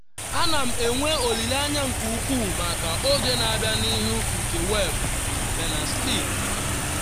“A na m enwe olile anya nke ukwuu maka oge na-abịa n’ihu nke weebu,” Berners-Lee gbakwunyere.